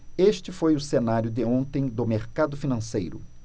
este foi o cenário de ontem do mercado financeiro